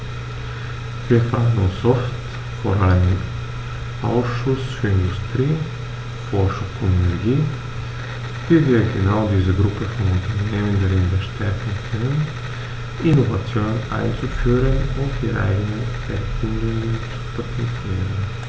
Wir fragen uns oft, vor allem im Ausschuss für Industrie, Forschung und Energie, wie wir genau diese Gruppe von Unternehmen darin bestärken können, Innovationen einzuführen und ihre eigenen Erfindungen zu patentieren.